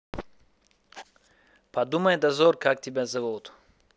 подумай дозор как тебя зовут